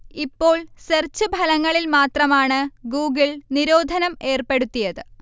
ഇപ്പോൾ സെർച്ച് ഫലങ്ങളിൽ മാത്രമാണ് ഗൂഗിൾ നിരോധനം ഏർപ്പെടുത്തിയത്